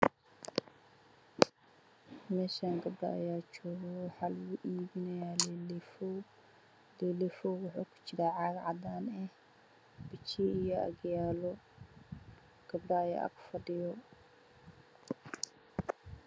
Meeshani waxaa joogto gabdhaha waxay wataan dhar kala duwan gabadha uga horeyso waxay wadataa saaka madow ah iyo jaamacadaan ah